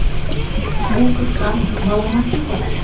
u qiz ham malomatga qoladi